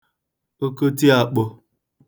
okoti akpo